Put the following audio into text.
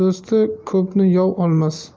do'sti ko'pni yov olmas